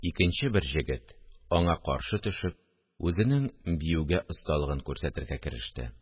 Икенче бер җегет, аңа каршы төшеп, үзенең биюгә осталыгын күрсәтергә кереште